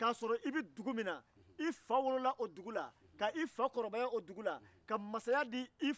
ɛ e ni cogo ɲuman bɔ i fabara e tɛ se ka cogo ɲuman don walidu kɔnɔ dɛ